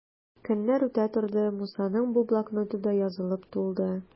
Көннәр үтә торды, Мусаның бу блокноты да язылып тулды.